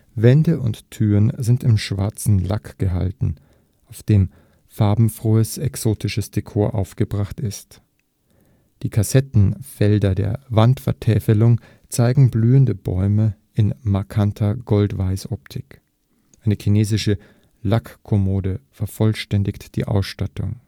Wände und Türen sind in schwarzem Lack gehalten, auf dem farbenfrohes exotisches Dekor aufgebracht ist. Die Kassettenfelder der Wandvertäfelung zeigen blühende Bäume in markanter Gold-Weiß-Optik. Eine chinesische Lackkommode vervollständigt die Ausstattung